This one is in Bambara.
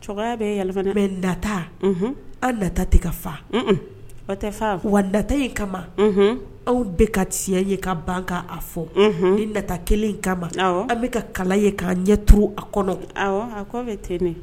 Cogoya bɛ yɛlɛ bɛ lata an la tɛ ka fa o tɛ fa wa lata in kama anw bɛɛ ka tiya ye ka ban' a fɔ ni lata kelen kama an bɛka ka kala ye k'a ɲɛ duuruuru a kɔnɔ a k'aw bɛ ten